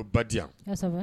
O ba di yan